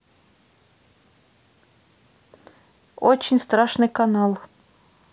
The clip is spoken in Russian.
очень страшный канал